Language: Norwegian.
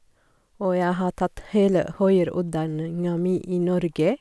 Og jeg har tatt hele høyere utdanninga mi i Norge.